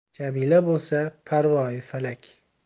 jamila bo'lsa parvoyi falak